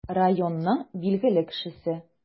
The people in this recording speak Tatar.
Районның билгеле кешесе.